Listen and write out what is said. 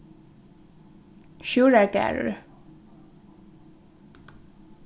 sjúrðargarður